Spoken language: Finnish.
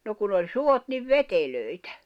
no kun oli suot niin veteliä